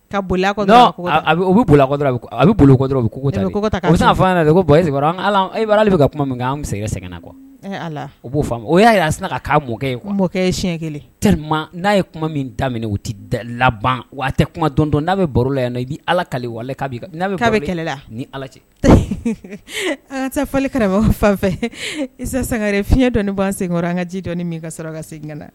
Ka boli bɛ boli a bɛ ko e' ala bɛ ka kuma min an segin sɛgɛnna kuwa ala u b'o o y'a jira' sina ka ka mɔkɛ ye mɔkɛ ye siɲɛ kelen n'a ye kuma min daminɛ o tɛ da laban wa tɛ kuma dɔn n'a bɛ baro la yan i bɛ alaa bɛ kɛlɛla ni ala cɛ falenli kara fan fɛ sanre fiɲɛyɛn dɔnni ba segin an ka ji dɔn min ka ka segin dɛ